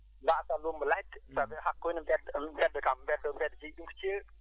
mbaasaa lummbu ladde saɗa hakkunde mbedda mbedda kam mbedda jeyi ɗum ko ceeɗu